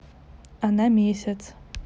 она месяц